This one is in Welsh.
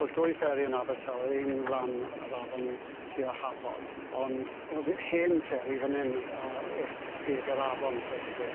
Wodd dwy fferi yn Abertawe un lan yr afon tua Hafod ond o'dd hen fferi fan 'yn a wrth geg yr afon dweud y gwir.